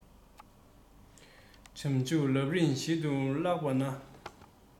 བྱང ཆུབ ལམ རིམ ཞིབ ཏུ བཀླགས པ ན